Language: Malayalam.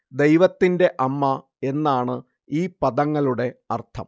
ദൈവത്തിന്റെ അമ്മ എന്നാണ് ഈ പദങ്ങളുടെ അർത്ഥം